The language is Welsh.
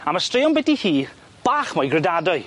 A ma' straeon byti hi bach mwy gredadwy.